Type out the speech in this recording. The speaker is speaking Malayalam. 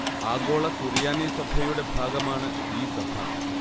ആഗോള സുറിയാനി സഭയുടെ ഭാഗമാണ് ഈ സഭ